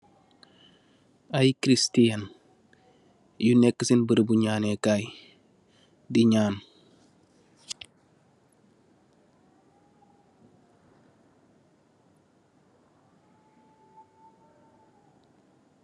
Aye Christian, yu nek sen beureubu nyaanee kaay, di nyaan.